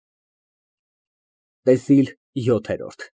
ՏԵՍԻԼ ՅՈԹԵՐՈՐԴ։